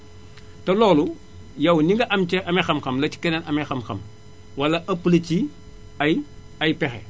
te loolu yow li nga am ca ame xam-xam la ci keneen amee xam-xam wala ëpp la ci ay ay pexe